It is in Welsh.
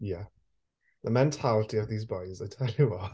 Ie. The mentality of these boys, I tell you what.